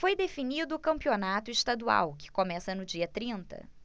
foi definido o campeonato estadual que começa no dia trinta